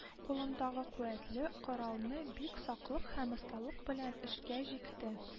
Кулындагы куәтле коралны бик саклык һәм осталык белән эшкә җикте